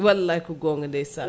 wallay ko gonga ndeysan